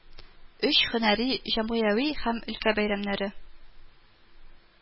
Өч һөнәри, җәмгыяви һәм өлкә бәйрәмнәре